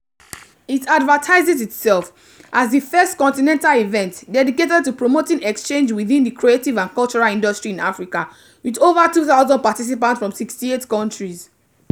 It advertises itself as the "first continental event dedicated to promoting exchange within the creative and cultural industry in Africa", with over 2,000 participants from 68 countries.